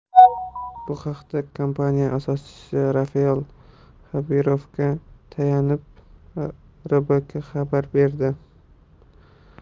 bu haqda kompaniya asoschisi rafael xabirovga tayanib rbk xabar berdi